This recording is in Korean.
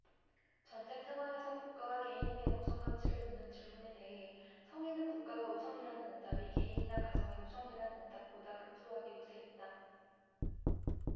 전쟁 상황에서 국가와 개인에 대한 우선가치를 묻는 질문에 대해 성인은 국가가 우선이라는 응답이 개인이나 가정이 우선이라는 응답보다 근소하게 우세했다